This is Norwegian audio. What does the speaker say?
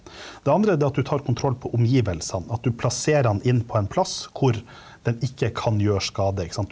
det andre det er at du tar kontroll på omgivelsene, at du plasserer han inn på en plass hvor den ikke kan gjøre skade ikke sant.